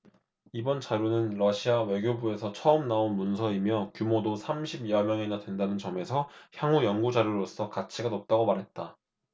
이번 자료는 러시아 외교부에서 처음 나온 문서이며 규모도 삼십 여 명이나 된다는 점에서 향후 연구 자료로서 가치가 높다고 말했다